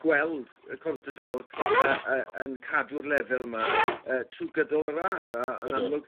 gweld yy Contador y- y- yn cadw'r lefel 'ma yy trw gydol y ras a yn amlwg...